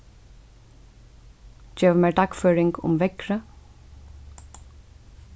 gev mær dagføring um veðrið